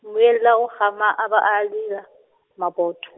Mmuela o gama a ba a e lela , mabotho.